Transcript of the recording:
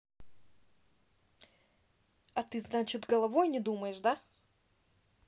а ты значит головой не думаешь да